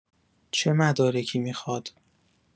چه مدارکی میخاد؟